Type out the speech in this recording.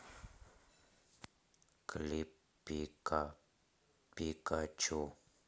клип пика пикачу